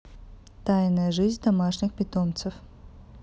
тайная жизнь домашних питомцев